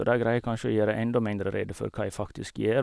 Og der greier jeg kanskje å gjøre enda mindre rede for hva jeg faktisk gjør.